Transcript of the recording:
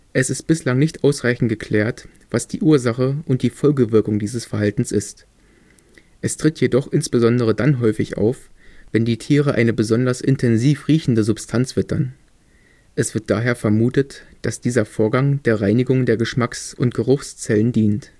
Es ist bislang nicht ausreichend geklärt, was die Ursache und die Folgewirkung dieses Verhaltens ist. Es tritt jedoch insbesondere dann häufig auf, wenn die Tiere eine besonders intensiv riechende Substanz wittern. Es wird daher vermutet, dass dieser Vorgang der Reinigung der Geschmacks - und Geruchszellen dient